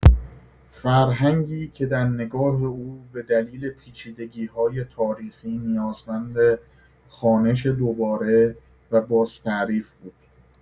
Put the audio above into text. فرهنگی که در نگاه او به دلیل پیچیدگی‌های تاریخی نیازمند خوانش دوباره و بازتعریف بود.